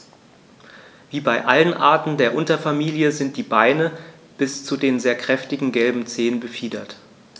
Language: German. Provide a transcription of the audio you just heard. Wie bei allen Arten der Unterfamilie sind die Beine bis zu den sehr kräftigen gelben Zehen befiedert.